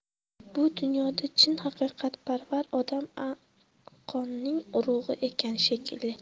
bu dunyoda chin haqiqatparvar odam anqoning urug'i ekan shekilli